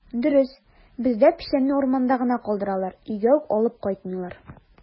Дөрес, бездә печәнне урманда гына калдыралар, өйгә үк алып кайтмыйлар.